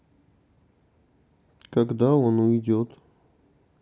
когда он уйдет